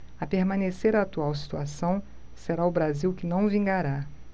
a permanecer a atual situação será o brasil que não vingará